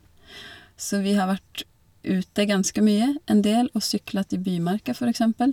Så vi har vært ute ganske mye en del, og syklet i bymarka, for eksempel.